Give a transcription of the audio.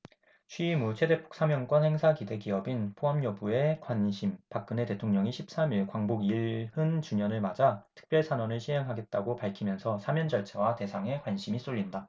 취임 후 최대폭 사면권 행사 기대 기업인 포함 여부에 관심 박근혜 대통령이 십 삼 일 광복 일흔 주년을 맞아 특별사면을 시행하겠다고 밝히면서 사면 절차와 대상에 관심이 쏠린다